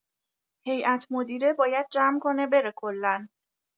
هیئت‌مدیره باید جمع کنه بره کلا